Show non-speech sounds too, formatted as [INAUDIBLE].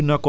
[HESITATION] [HESITATION]